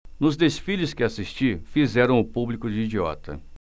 nos desfiles que assisti fizeram o público de idiota